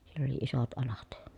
siellä oli isot alat